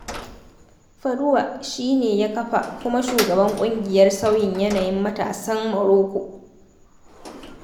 Fadoua shi ne ya kafa kuma shugaban Ƙungiyar Sauyin Yanayin Matasan Morocco.